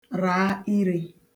ràà irē